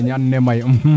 kañaan ne may